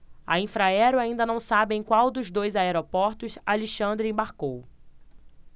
a infraero ainda não sabe em qual dos dois aeroportos alexandre embarcou